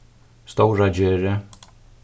stóragerði